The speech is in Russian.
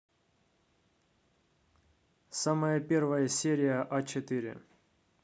самая первая серия а четыре